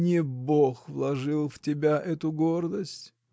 — Не Бог вложил в тебя эту гордость!